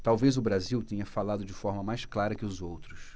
talvez o brasil tenha falado de forma mais clara que os outros